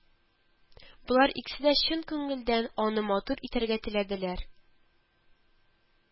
Болар икесе дә чын күңелдән аны матур итәргә теләделәр